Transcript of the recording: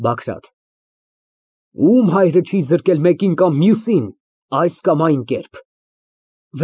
ԲԱԳՐԱՏ ֊ Ահ, ո՞ւմ հայրը չի զրկել մեկին կամ մյուսին, այս կամ այն կերպ։